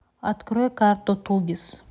открой карту тугис